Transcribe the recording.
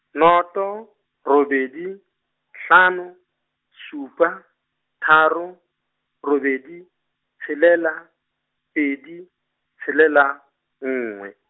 noto, robedi, hlano, supa, tharo, robedi, tshelela, pedi, tshelela, nngwe.